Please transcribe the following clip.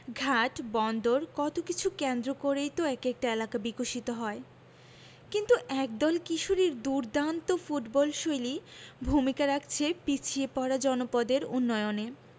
ঘাট বন্দর কত কিছু কেন্দ্র করেই তো এক একটা এলাকা বিকশিত হয় কিন্তু একদল কিশোরীর দুর্দান্ত ফুটবলশৈলী ভূমিকা রাখছে পিছিয়ে পড়া জনপদের উন্নয়নে